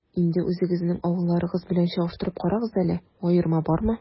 Инде үзегезнең авылларыгыз белән чагыштырып карагыз әле, аерма бармы?